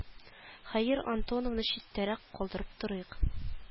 Хәер антоновны читтәрәк калдырып торыйк